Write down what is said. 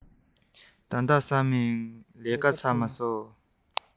ད ལྟ མིན ལས ཀ ཚར མ སོང